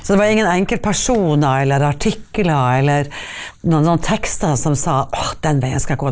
så det var ingen enkeltpersoner eller artikler eller noen sånn tekster som sa å den veien skal jeg gå.